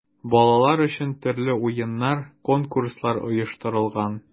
Балалар өчен төрле уеннар, конкурслар оештырылган.